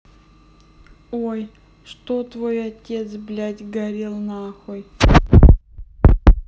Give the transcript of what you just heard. ой что твой отец блядь горел нахуй